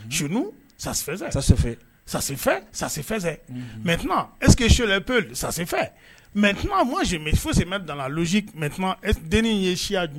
Chez nous ça se faisait ça se fait ça se fait ça se faisait unhun maintenant est ce que chez les peulh ça se fait maintenant moi je me il faut se mettre dans la logique maintenant est ce denin ye siya j